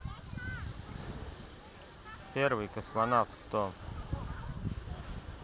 первый космонавт кто